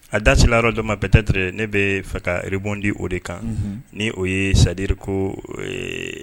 A dasila yɔrɔjɔmaptetiur ne bɛ fɛ ka reribbondi o de kan ni o ye sadiri ko